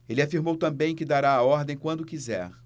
ele afirmou também que dará a ordem quando quiser